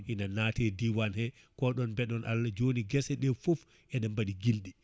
ina nati e diwan he ko ɗon beeɗon Allah joni guesse ɗe foof ene baɗi guilɗi